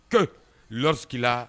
Ko la la